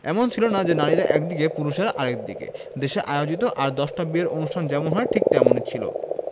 এমন ছিল না যে নারীরা একদিকে পুরুষেরা আরেক দিকে দেশে আয়োজিত আর দশটা বিয়ের অনুষ্ঠান যেমন হয় ঠিক তেমনি ছিল